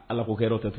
Ala ko hɛrɛ tɛ ten